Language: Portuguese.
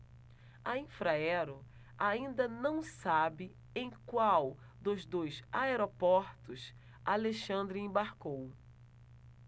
a infraero ainda não sabe em qual dos dois aeroportos alexandre embarcou